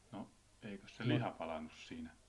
no eikös se liha palanut siinä